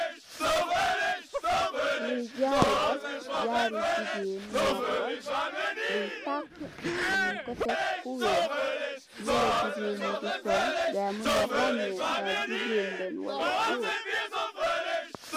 Lii jarula jaru gigeen yu nopu buy tak ñunko dek fu wekh yila gigeen Yi di sol gayi Muna rañeh ndah gigeen Len Wala gorr.